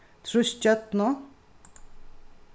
trýst stjørnu